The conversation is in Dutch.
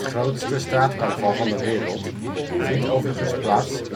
grootste straatcarnaval van de wereld vindt overigens plaats